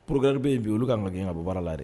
Pkɛ bɛ in bi olu ka na in ka bɔ baarala la dɛ